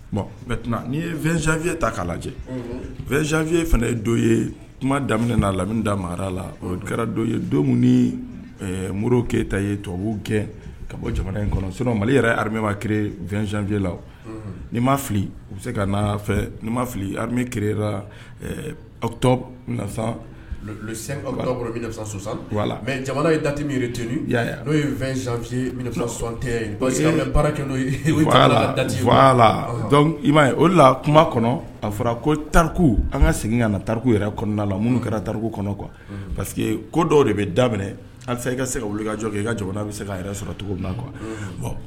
Bon n yeɛnfya ta k'a lajɛ lajɛ wzfiye fana ye do ye daminɛ'a la da mara la o kɛra do ye don ni mori keyitata ye tubabubuu kɛ ka bɔ jamana in kɔnɔ mali yɛrɛmɛbaa fi la ni ma fili u bɛ se ka fɛ fili awto la mɛ jamana ye datia n'o yete kɛ n' la la i m ma o la kuma kɔnɔ a fɔra ko tariku an ka segin ka na tariku yɛrɛ kɔnɔ la minnu kɛra tariku kɔnɔ qu paseke que ko dɔw de bɛ daminɛ an fɛ i ka se ka wulikajɔ kɛ i ka jamana bɛ se ka yɛrɛ sɔrɔ cogo na qu